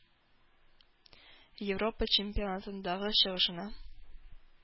Европа Чемпионатындагы чыгышына